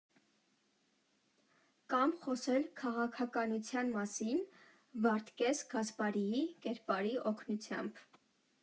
Կամ խոսել քաղաքականության մասին՝ Վարդգես Գասպարիի կերպարի օգնությամբ.